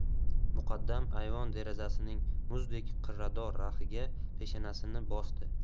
muqaddam ayvon derazasining muzdek qirrador raxiga peshanasini bosdi